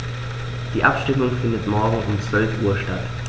Die Abstimmung findet morgen um 12.00 Uhr statt.